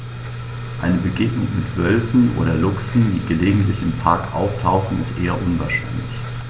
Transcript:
Eine Begegnung mit Wölfen oder Luchsen, die gelegentlich im Park auftauchen, ist eher unwahrscheinlich.